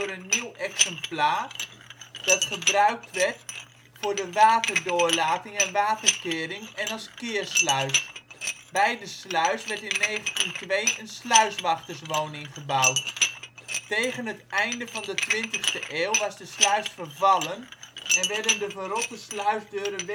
een nieuw exemplaar dat gebruikt werd voor de waterdoorlating en waterkering en als keersluis. Bij de sluis werd in 1902 een sluiswachterswoning gebouwd. Tegen het einde van de 20e eeuw was de sluis vervallen en werden de verrotte sluisdeuren